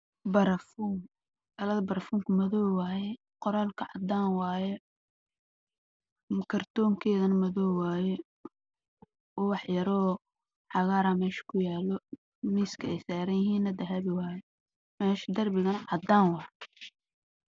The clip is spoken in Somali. Waa bar fuun madow ah